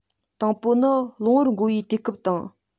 དང པོ ནི གློ བུར འགོ བའི དུས སྐབས དང